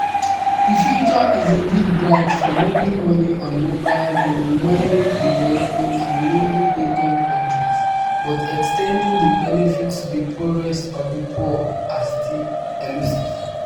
The future is indeed bright for moving money on mobiles in many developing and middle-income countries but extending the benefits to the poorest of the poor are still elusive.